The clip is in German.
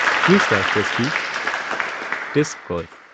Freestyle Frisbee Disc Golf